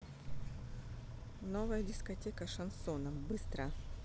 новая дискотека шансона быстро